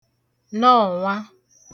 nọọ̀nwa